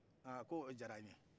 aa k'o diyara n ye